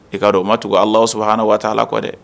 I ka don o ma tugu alasɔ haana waa' la kɔ dɛ